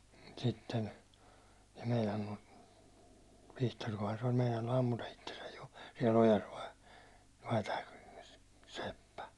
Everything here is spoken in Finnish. sitten se meinannut Vihtorikaan se oli meinannut ampua itsensä jo siellä ojassa vai vai tämäkö seppä